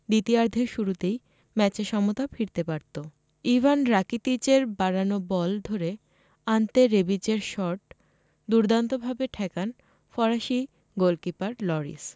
দ্বিতীয়ার্ধের শুরুতেই ম্যাচে সমতা ফিরতে পারত ইভান রাকিতিচের বাড়ানো বল ধরে আন্তে রেবিচের শট দুর্দান্তভাবে ঠেকান ফরাসি গোলকিপার লরিস